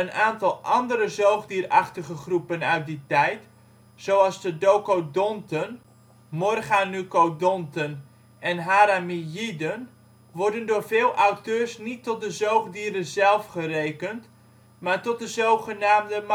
aantal andere zoogdierachtige groepen uit die tijd, zoals de docodonten, morganucodonten en haramiyiden, worden door veel auteurs niet tot de zoogdieren zelf gerekend, maar tot de zogenaamde